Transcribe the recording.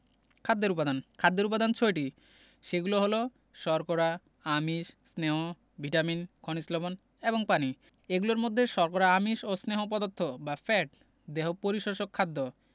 খাদ্যের উপাদান খাদ্যের উপাদান ছয়টি সেগুলো হলো শর্করা আমিষ স্নেহ ভিটামিন খনিজ লবন এবং পানি এগুলোর মধ্যে শর্করা আমিষ ও স্নেহ পদার্থ বা ফ্যাট দেহ পরিষোষক খাদ্য